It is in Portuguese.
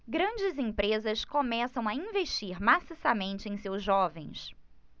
grandes empresas começam a investir maciçamente em seus jovens